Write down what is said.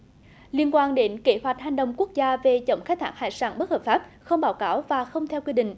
liên quan đến kế hoạch hành động quốc gia về chống khai thác hải sản bất hợp pháp không báo cáo và không theo quy định